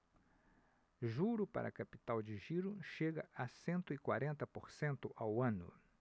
juro para capital de giro chega a cento e quarenta por cento ao ano